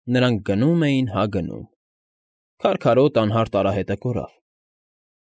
Նրանք գնում էին հա գնում։ Քարքարոտ անհարթ արահետը կորավ։